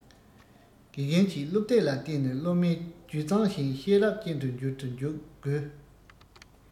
དགེ རྒན གྱིས སློབ དེབ ལ བརྟེན ནས སློབ མའི རྒྱུ གཙང ཞིང ཤེས རབ ཅན དུ འགྱུར དུ འཇུག དགོས